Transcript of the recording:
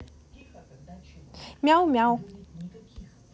мяу мяу